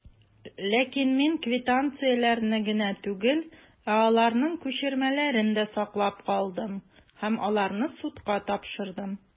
Ләкин мин квитанцияләрне генә түгел, ә аларның күчермәләрен дә саклап калдым, һәм аларны судка тапшырдым.